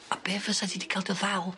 A be' fysa ti 'di ca'l dy ddal?